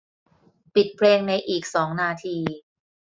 ปิดเพลงในอีกสองนาที